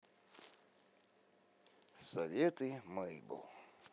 советы мэйбл